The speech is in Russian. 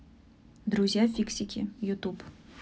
друзья фиксики ютуб